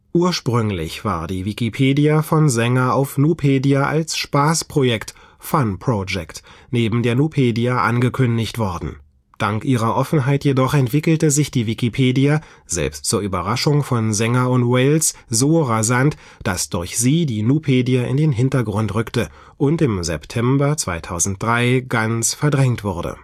Ursprünglich war die Wikipedia von Sanger auf Nupedia als Spaß-Projekt („ fun project “) neben der Nupedia angekündigt worden. Dank ihrer Offenheit jedoch entwickelte sich die Wikipedia – selbst zur Überraschung von Sanger und Wales – so rasant, dass durch sie die Nupedia in den Hintergrund rückte und im September 2003 ganz verdrängt wurde